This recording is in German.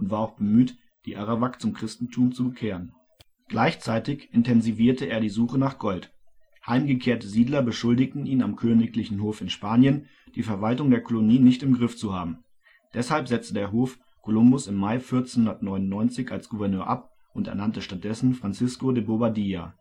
auch bemüht, die Arawak zum Christentum zu bekehren. Gleichzeitig intensivierte er die Suche nach Gold. Heimgekehrte Siedler beschuldigten ihn am königlichen Hof in Spanien, die Verwaltung der Kolonie nicht im Griff zu haben. Deshalb setzte der Hof Kolumbus im Mai 1499 als Gouverneur ab und ernannte stattdessen Francisco de Bobadilla